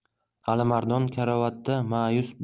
alimardon karavotda ma'yus